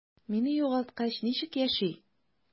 Мине югалткач, ничек яши?